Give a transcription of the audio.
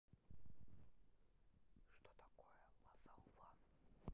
что такое лазолван